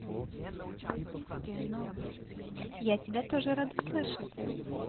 я тебя тоже рада слышать